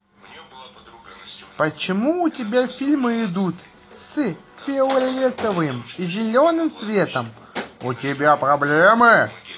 почему у тебя фильмы идут с фиолетовым и зеленым цветом у тебя проблемы